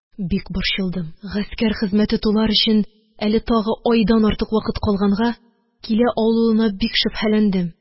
Бик борчылдым. Гаскәр хезмәте тулар өчен әле тагы айдан артык вакыт калганга, килә алуына бик шөбһәләндем.